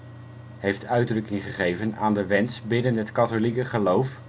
aan de wens binnen het katholieke geloof